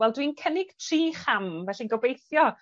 Wel dwi'n cynnig tri cham felly gobeithio